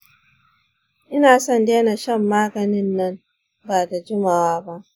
ina son daina shan magani nan ba da jimawa ba.